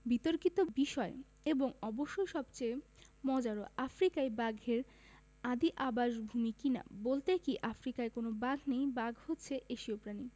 বিতর্কিত বিষয় এবং অবশ্যই সবচেয়ে মজারও আফ্রিকাই বাঘের আদি আবাসভূমি কি না বলতে কী আফ্রিকায় কোনো বাঘ নেই বাঘ হচ্ছে এশীয় প্রাণী